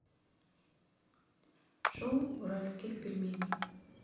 шоу уральских пельменей